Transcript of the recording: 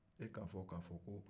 e k'a fɔ ka fɔ ko